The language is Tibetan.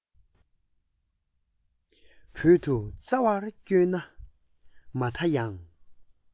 བོད དུ བཙའ བར བསྐྱོད ན མ མཐའ ཡང